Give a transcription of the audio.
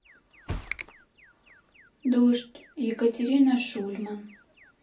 дождь екатерина шульман